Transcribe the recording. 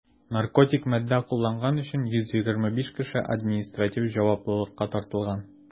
Наркотик матдә кулланган өчен 125 кеше административ җаваплылыкка тартылган.